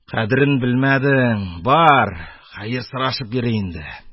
Кадерен белмәдең, бар, хәер сорашып йөр инде!